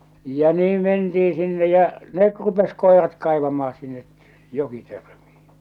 ja niin mentiin sinne ja ne rupesi koirat kaivamaan sinne jokitörmiin